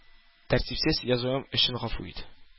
Тәртипсез язуым өчен гафу ит.